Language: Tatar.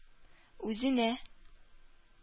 Үзенә